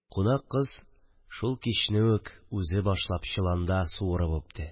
Кунак кыз шул кичне үк үзе башлап чоланда суырып үпте